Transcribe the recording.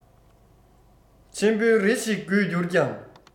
ཆེན པོ རེ ཞིག རྒུད གྱུར ཀྱང